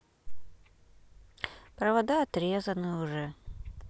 провода отрезаны уже